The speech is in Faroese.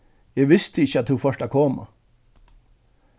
eg visti ikki at tú fórt at koma